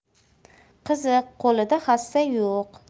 qiziq qo'lida hassa yo'q